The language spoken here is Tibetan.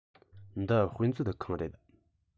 འདི དཔེ མཛོད ཁང རེད